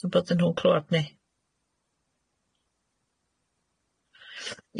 Dwi'm bo' 'dyn nhw'n clwad ni?